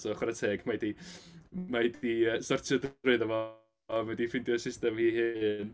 So chwarae teg mae hi 'di mae hi 'di sortio drwyddo fo, mae hi 'di ffeindio system hi ei hun.